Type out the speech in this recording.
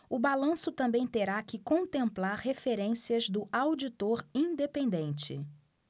o balanço também terá que contemplar referências do auditor independente